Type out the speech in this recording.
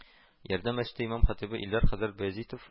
“ярдәм” мәчете имам-хатыйбы илдар хәзрәт баязитов